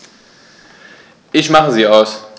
Ich mache sie aus.